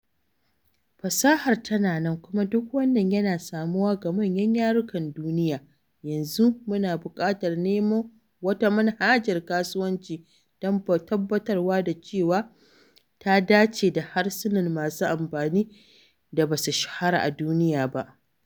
Fasahar tana nan kuma duk wannan yana samuwa ga manyan yarukan duniya, yanzu muna buƙatar nemo wata manhajar kasuwanci don tabbatar da cewa ta dace da harsuna masu amfani da ba su shahara a duniya ba.